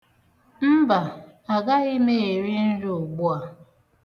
Mba, agaghị m eri nri ugbu a.